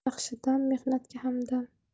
yaxshi dam mehnatga hamdam